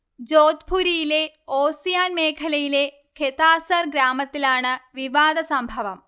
ജോധ്പുരിലെ ഓസിയാൻ മേഖലയിലെ ഖെതാസർ ഗ്രാമത്തിലാണ് വിവാദസംഭവം